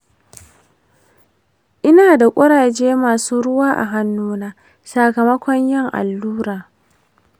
ina da kuraje masu ruwa a hannuna sakamakon yin allura.